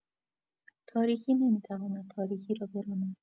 تاریکی نمی‌تواند تاریکی را براند